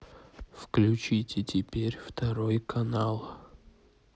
включите теперь второй канал